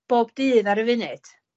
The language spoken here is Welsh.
bob dydd ar y funud?